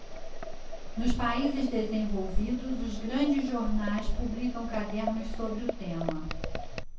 nos países desenvolvidos os grandes jornais publicam cadernos sobre o tema